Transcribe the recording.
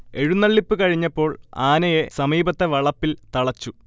എഴുന്നള്ളിപ്പ് കഴിഞ്ഞപ്പോൾ ആനയെ സമീപത്തെ വളപ്പിൽ തളച്ചു